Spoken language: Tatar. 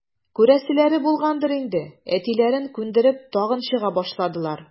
Күрәселәре булгандыр инде, әтиләрен күндереп, тагын чыга башладылар.